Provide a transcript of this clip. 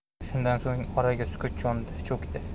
shundan so'ng oraga sukut cho'kdi